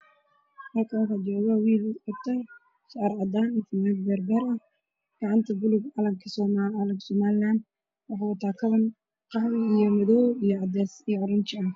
Meeshan waxaa yaalo qalabka muslim laga